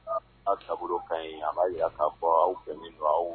Taabolo ka a b'a' fɔ aw tɛ min fɔ